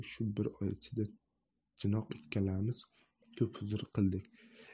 shu bir oy ichida chinoq ikkalamiz xo'p huzur qildik